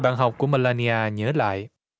bạn học của mơ la li a nhớ lại